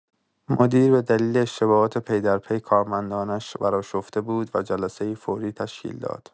مدیر به دلیل اشتباهات پی‌درپی کارمندانش برآشفته بود و جلسه‌ای فوری تشکیل داد.